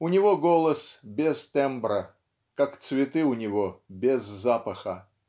У него голос без тембра, как цветы у него -- без запаха.